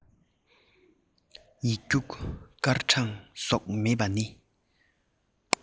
ཡིག རྒྱུགས སྐར གྲངས སོགས མེད པ ནི